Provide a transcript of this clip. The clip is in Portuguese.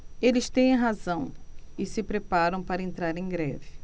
eles têm razão e se preparam para entrar em greve